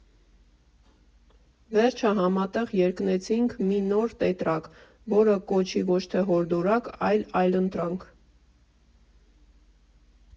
Վերջը համատեղ երկնեցինք մի «Նոր տետրակ, որ կոչի» ոչ թե «հորդորակ», այլ «այլընտրանք»։